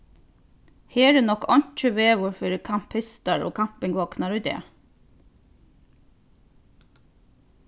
her er nokk einki veður fyri kampistar og kampingvognar í dag